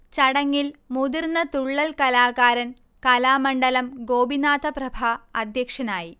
ചടങ്ങിൽ മുതിർന്ന തുള്ളൽ കലാകാരൻ കലാമണ്ഡലം ഗോപിനാഥപ്രഭ അധ്യക്ഷനായി